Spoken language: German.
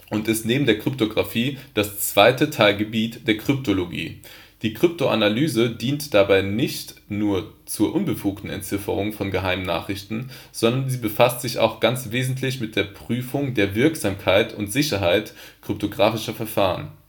und ist neben der Kryptographie das zweite Teilgebiet der Kryptologie. Die Kryptoanalyse dient dabei nicht nur zur unbefugten Entzifferung von geheimen Nachrichten, sondern sie befasst sich auch ganz wesentlich mit der Prüfung der Wirksamkeit und Sicherheit kryptographischer Verfahren